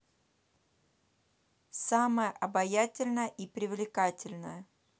самая обаятельная и привлекательная